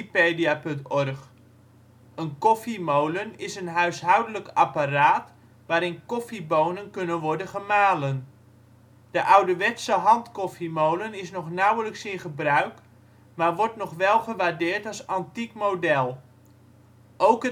Een koffiemolen is een huishoudelijk apparaat, waarin koffiebonen kunnen worden gemalen. De ouderwetse handkoffiemolen is nog nauwelijks in gebruik, maar wordt nog wel gewaardeerd als antiek model. Ook